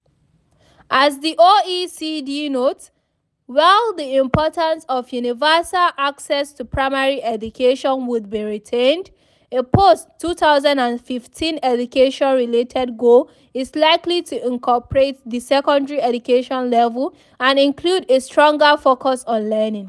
As the OECD notes, while the importance of universal access to primary education would be retained, a post 2015 education-related goal is likely to incorporate the secondary education level and include a stronger focus on learning.